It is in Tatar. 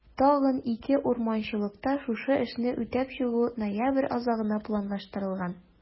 Тагын 2 урманчылыкта шушы эшне үтәп чыгу ноябрь азагына планлаштырылган.